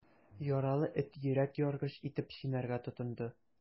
Яралы эт йөрәк яргыч итеп чинарга тотынды.